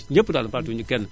ñépp daal fàttewuñu kenn